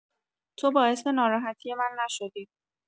تو باعث ناراحتی من نشدی.